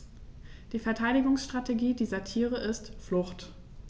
Die Verteidigungsstrategie dieser Tiere ist Flucht.